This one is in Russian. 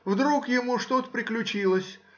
вдруг ему что-то приключилось